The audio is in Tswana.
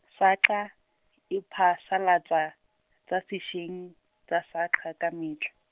SAQA, e phasalatsa, tsa sešeng, tsa SAQA ka metlha.